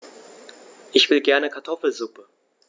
Ich will gerne Kartoffelsuppe.